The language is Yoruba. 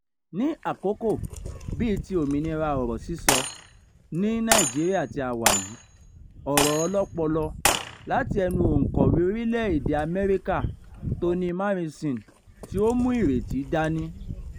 Ní àkókò bíi ti òmìnira ọ̀rọ̀ sísọ ní Nàìjíríà tí a wà yìí, ọ̀rọ̀ ọlọ́pọlọ láti ẹnu òǹkọ̀wé orílẹ̀-èdèe Amẹ́ríkà Toni Morrison tí ó mú ìrétí dání: